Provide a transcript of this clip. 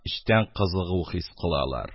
Эчтән кызыгу хис кылалар.